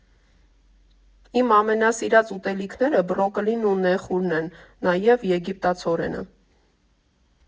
Իմ ամենասիրած ուտելիքները բրոկոլին ու նեխուրն են, նաև եգիպտացորենը։